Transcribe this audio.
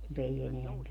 mutta ei enää käy